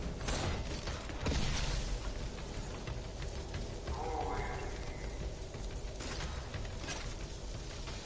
новые фильмы